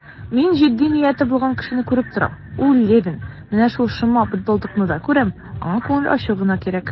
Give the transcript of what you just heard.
Мин җитди нияте булган кешене күреп торам, ул Левин; менә шул шома бытбылдыкны да күрәм, аңа күңел ачу гына кирәк.